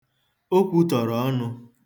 O kwutọrọ ọnụ.